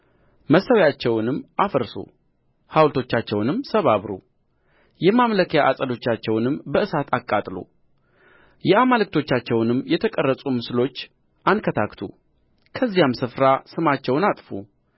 መሠዊያቸውንም አፍርሱ ሐውልቶቻቸውንም ሰባብሩ የማምለኪያ ዐፀዶቻቸውንም በእሳት አቃጥሉ የአማልክቶቻቸውንም የተቀረጹ ምስሎች አንከታክቱ ከዚያም ስፍራ ስማቸውን አጥፉ